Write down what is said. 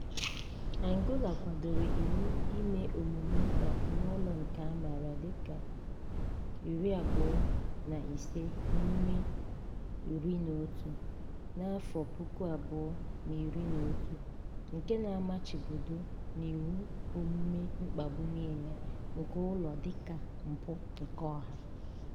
Angola kwadoro iwu ime omume mkpagbu n'ụlọ nke a maara dịka 25/11 na 2011 nke na-amachibudo n'iwu omume mkpagbu niile nke ụlọ dịka mpụ keọha.